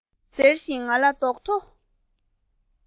ཟེར བཞིན ང ལ རྡོག ཐོ